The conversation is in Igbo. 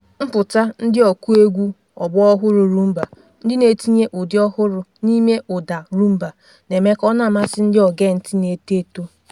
Mpụta ndị ọkụegwú ọgbọ ọhụrụ Rhumba ndị na-etinye ụdị ọhụrụ n'ime ụda Rhumba na-eme ka ọ na-amasị ndị ogentị na-eto eto.